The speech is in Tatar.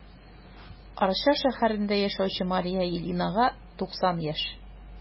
Арча шәһәрендә яшәүче Мария Ильинага 90 яшь.